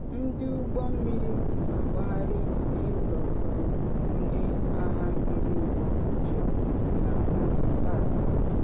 Ndị ụgbọ mmiri na agagharị isi ụlọ ọrụ ndị agha mmiri ụgbọ juru na La Paz.